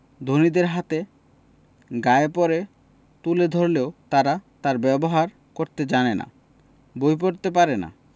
ধনীদের হাতে গায়ে পড়ে তুলে ধরলেও তারা তার ব্যবহার করতে জানে না বই পড়তে পারে না